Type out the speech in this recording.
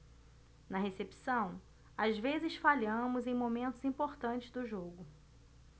na recepção às vezes falhamos em momentos importantes do jogo